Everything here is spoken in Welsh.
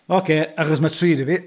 Ok, achos mae tri 'da fi.